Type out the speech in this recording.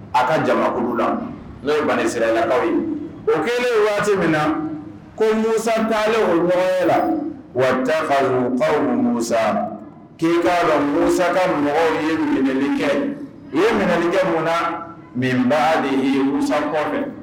A ka jamakulu la neo ye ban ni siralakaw ye o kɛlen waati min na ko musa olu mɔgɔ la wata kakaw musa k'i'a dɔn musaka mɔgɔw ye mli kɛ ye u ye mɛnɛlikɛ mun na min b' ye musa kɔn mɛn